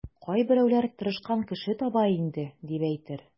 Кайберәүләр тырышкан кеше таба инде, дип әйтер.